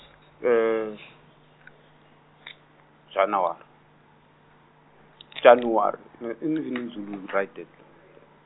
Januwari, January even in Zulu we write that.